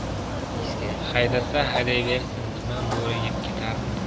haydasa haydayversin nima bo'ri yeb ketarmidi